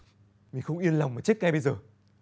mình không yên lòng mà chết ngay bây giờ